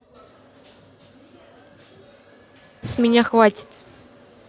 с меня хватит